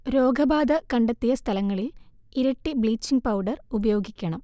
രോഗബാധ കണ്ടെത്തിയ സ്ഥലങ്ങളിൽ ഇരട്ടി ബ്ലീച്ചിങ് പൗഡർ ഉപയോഗിക്കണം